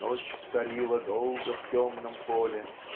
Ночь царила долго в темном поле.